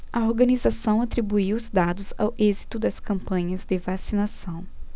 a organização atribuiu os dados ao êxito das campanhas de vacinação